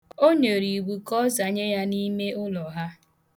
O nyere iwu ka ọ zanye ya n' ime ụlọ ha.